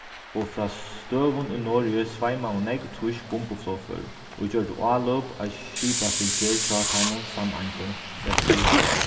og frá støðum í noregi sveimaðu nógv týsk bumbuflogfør ið gjørdu álop á skipafylgir hjá teimum sameindu vesturi í havi